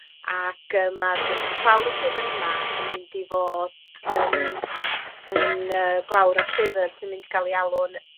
Ac yy ma'r clawr y llyfyr yma yn mynd i fod yym yn ng- yy glawr ar llyfyr sy'n mynd i ga'l 'i alw'n